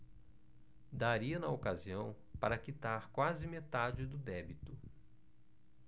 daria na ocasião para quitar quase metade do débito